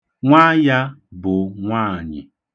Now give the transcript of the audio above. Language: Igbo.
Nwa ya bụ nwaanyị.